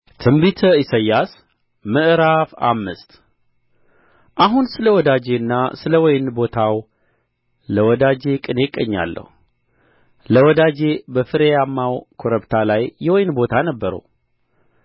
ትንቢተ ኢሳይያስ ምዕራፍ አምስት አሁን ስለ ወዳጄና ስለ ወይን ቦታው ለወዳጄ ቅኔ እቀኛለሁ ለወዳጄ በፍሬያማው ኮረብታ ላይ የወይን ቦታ ነበረው